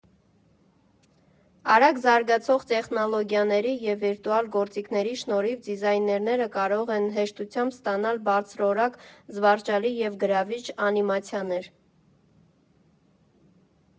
Արագ զարգացող տեխնոլոգիաների և վիրտուալ գործիքների շնորհիվ դիզայներները կարող են հեշտությամբ ստանալ բարձրորակ, զվարճալի և գրավիչ անիմացիաներ։